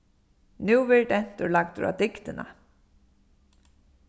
nú verður dentur lagdur á dygdina